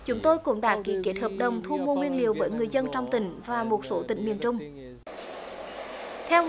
chúng tôi cũng đã ký kết hợp đồng thu mua nguyên liệu với người dân trong tỉnh và một số tỉnh miền trung theo ngành